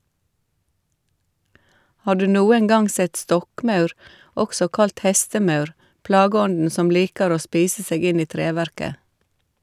Har du noen gang sett stokkmaur, også kalt hestemaur, plageånden som liker å spise seg inn i treverket?